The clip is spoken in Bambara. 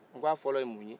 n ko a fɔlɔ ye mun ye